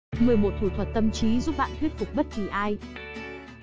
thủ thuật tâm trí giúp bạn thuyết phục bất kỳ ai